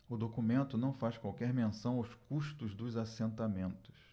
o documento não faz qualquer menção aos custos dos assentamentos